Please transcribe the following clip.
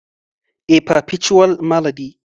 A Perpetual Malady